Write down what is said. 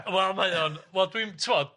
Wel mae o'n... Wel dwi'm t'wod?